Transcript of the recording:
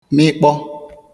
mịkpọ